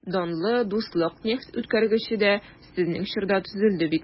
Данлы «Дуслык» нефтьүткәргече дә сезнең чорда төзелде бит...